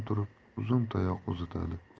turib uzun tayoq uzatadi